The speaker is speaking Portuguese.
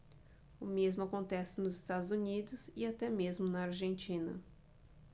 o mesmo acontece nos estados unidos e até mesmo na argentina